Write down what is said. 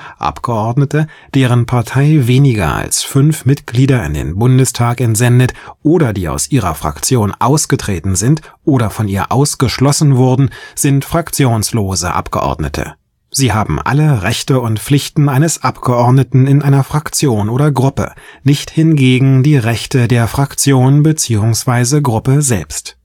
Abgeordnete, deren Partei weniger als fünf Mitglieder in den Bundestag entsendet, oder die aus ihrer Fraktion ausgetreten sind oder von ihr ausgeschlossen wurden, sind fraktionslose Abgeordnete. Sie haben alle Rechte und Pflichten eines Abgeordneten in einer Fraktion oder Gruppe, nicht hingegen die Rechte der Fraktion beziehungsweise Gruppe selbst